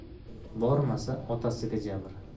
bormasa otasiga jabr